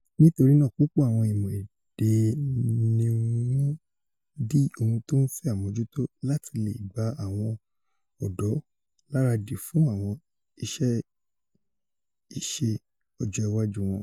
Nítorínáà púpọ̀̀ àwọn ìmọ̀ èdè níwọ́n ńdi ohun tó ńfẹ̀ àmójútó láti leè gba àwọn ọ̀dọ́ láradì fún àwọn iṣẹ́-ìṣe ọjọ́ iwájú wọn.